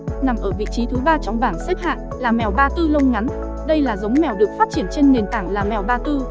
nằm ở vị trí thứ trong bảng xếp hạng là mèo ba tư lông ngắn đây là giống mèo được phát triển trên nền tảng là mèo ba tư